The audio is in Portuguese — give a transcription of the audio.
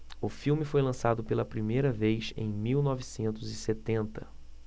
o filme foi lançado pela primeira vez em mil novecentos e setenta